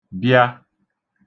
bịa